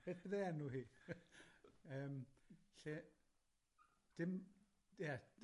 Beth fydde enw hi yym lle... Dim... Ie.